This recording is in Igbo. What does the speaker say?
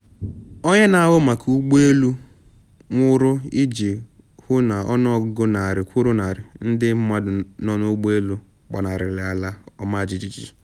Onye Na Ahụ Maka Ụgbọ Elu Nwụrụ Iji Hụ Na Ọnụọgụ Narị Kwụrụ Narị Ndị Mmadụ Nọ N’ụgbọ Elu Gbanarịrị Ala Ọmajiji